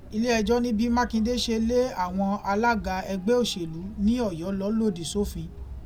Ilé ẹjọ́ ní bí Mákindé ṣe lé àwọn alága ẹgbẹ́ òṣèlú ní Ọyọ́ lọ lòdì sófin.